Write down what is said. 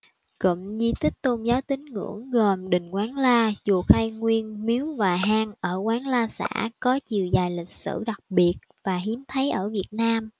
cụm di tích tôn giáo tín ngưỡng gồm đình quán la chùa khai nguyên miếu và hang ở quán la xã có chiều dài lịch sử đặc biệt và hiếm thấy ở việt nam